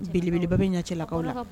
Belebeleba bɛ ɲɛcɛkaw la